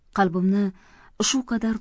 qalbimni shu qadar